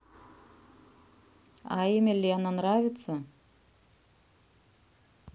а имя лена нравится